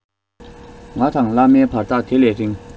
ང དང བླ མའི བར ཐག དེ ལས རིང